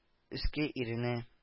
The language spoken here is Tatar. Өске ирене